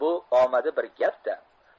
bu omadi bir gap da